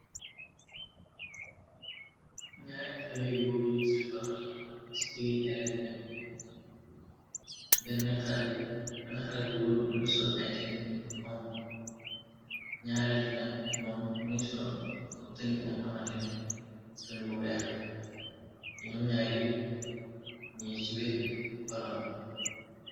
Nyaari xele gu wóoru yuy zuwe balon yunga xamante ni. Ci diggi jareebi nani benn xale bu góor bu mungi sool ay teni yu xong. Nyaareel ki nag moom mungi sool ab tëni bi nga xamanteni toni bu beex la. Te ñoom ñaar yépp ñiy zuwe balon.